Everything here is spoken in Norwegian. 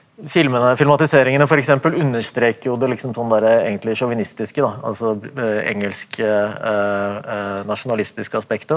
filmene filmatiseringene f.eks. understreker jo det liksom sånn derre egentlig sjåvinistiske da altså engelsk nasjonalistiske aspektet.